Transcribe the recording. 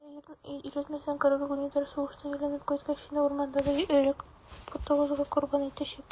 Әгәр өйрәтмәсәң, король Гунитар сугыштан әйләнеп кайткач, сине урмандагы Өрәк потыгызга корбан итәчәк.